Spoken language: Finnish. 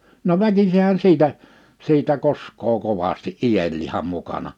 no väkisinhän siitä siitä koskee kovasti ienlihan mukana